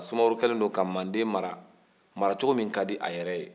sumaworo kɛlen don ka manden mara mara cogo min ka d'a yɛrɛ ye